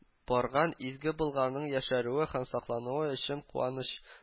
Барган изге болгарның яшәрүе һәм саклануы өчен куаныч